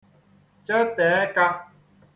chete ẹkā